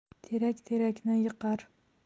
terak terakni yiqar